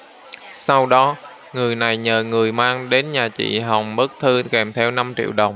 sau đó người này nhờ người mang đến nhà chị hồng bức thư kèm theo năm triệu đồng